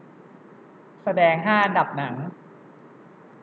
แสดงห้าอันดับหนัง